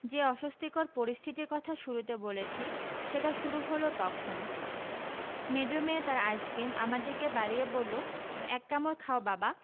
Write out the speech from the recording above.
যে অস্বস্তিকর পরিস্থিতির কথা শুরুতে বলেছি সেটা শুরু হল তখন মেজো মেয়ে তার আইসক্রিম আমার দিকে বাড়িয়ে বলল এক কামড় খাও বাবা